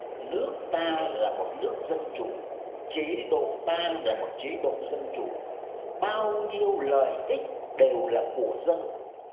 nước ta là một nước dân chủ chế độ ta là một chế độ dân chủ bao nhiêu lợi ích đều là của dân